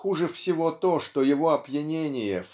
хуже всего то, что его опьянение